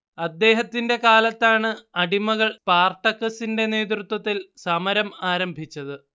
അദ്ദേഹത്തിന്റെ കാലത്താണ് അടിമകൾ സ്പാർട്ടക്കസിന്റെ നേതൃത്വത്തിൽ സമരം ആരംഭിച്ചത്